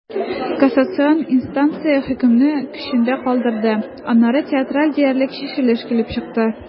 Кассацион инстанция хөкемне көчендә калдырды, аннары театраль диярлек чишелеш килеп чыкты.